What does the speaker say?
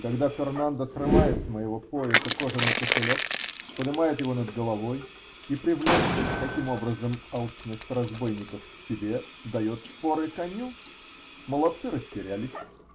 Тогда Фернандо срывает с моего пояса кожаный кошелек, подымает его над головой и, привлекши таким образом алчность разбойников к себе, дает шпоры коню. Молодцы растерялись